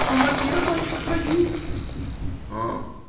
— По воде, бачка, ходил. — Гм!